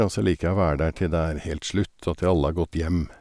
Og så liker jeg å være der til det er helt slutt og til alle har gått hjem.